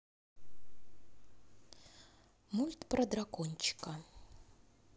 мульт про дракончика